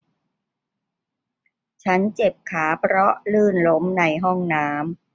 ฉันเจ็บขาเพราะลื่นล้มในห้องน้ำ